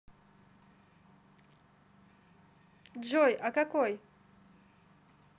джой а какой